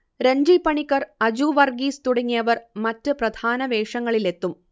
രൺജി പണിക്കർ, അജു വർഗ്ഗീസ് തുടങ്ങിയവർ മറ്റ്പ്രധാന വേഷങ്ങളിലെത്തും